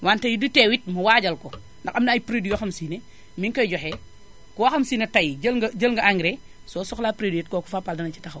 wante du tee it ñu waajal ko ndax am na ay produits yoo xam si ne mi ngi koy joxe koo xam si ne tay jël nga jël nga engrais soo soxlaa produit it kooku Fapal dana ci taxaw